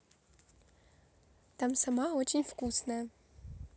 там сама очень вкусное